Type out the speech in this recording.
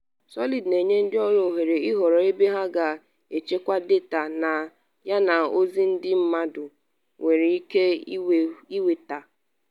Solid na-enye ndị ọrụ oghere ịhọrọ ebe ha ga-echekwa data ha yana ozi ndị mmadụ nwere ike nweta.